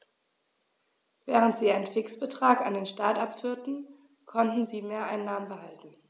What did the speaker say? Während sie einen Fixbetrag an den Staat abführten, konnten sie Mehreinnahmen behalten.